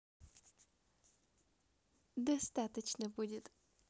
досточно будет